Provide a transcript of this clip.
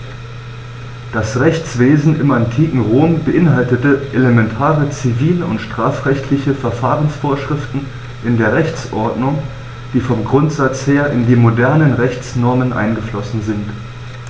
Das Rechtswesen im antiken Rom beinhaltete elementare zivil- und strafrechtliche Verfahrensvorschriften in der Rechtsordnung, die vom Grundsatz her in die modernen Rechtsnormen eingeflossen sind.